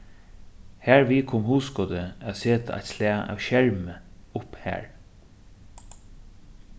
harvið kom hugskotið at seta eitt slag av skermi upp har